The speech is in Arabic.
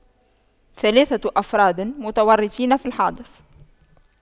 ثلاثة افراد متورطين في الحادث